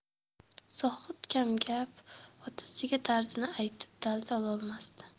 zohid kamgap otasiga dardini aytib dalda ololmasdi